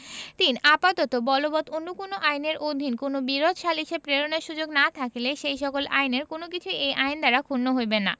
৩ আপাতত বলবৎ অন্য কোন আইনের অধীন কোন বিরোধ সালিসে প্রেরণের সুযোগ না থাকিলে সেই সকল আইনের কোন কিছুই এই আইন দ্বারা ক্ষুণ্ণ হইবে না